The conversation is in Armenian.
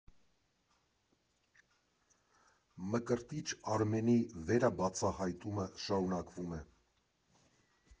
Մկրտիչ Արմենի վերաբացահայտումը շարունակվոմ է.